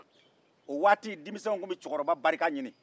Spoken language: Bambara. o waati denmisɛnw tun bɛ cɛkɔrɔbaw barika ɲini